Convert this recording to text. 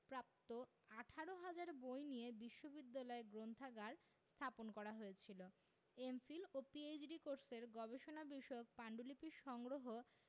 প্রাপ্ত ১৮ হাজার বই নিয়ে বিশ্ববিদ্যালয় গ্রন্থাগার স্থাপন করা হয়েছিল এম.ফিল ও পিএইচ.ডি কোর্সের গবেষণা বিষয়ক পান্ডুলিপির সংগ্রহ